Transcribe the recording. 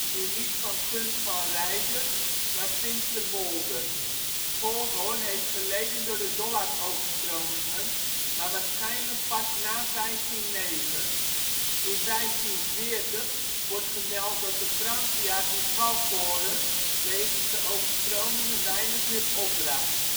die liep van Punt van Reide naar Finsterwolde. Goldhoorn heeft geleden door de Dollardoverstromingen, maar waarschijnlijk pas na 1509. In 1540 wordt gemeld dat de grangia in Galkohren wegens de overstromingen weinig meer opbracht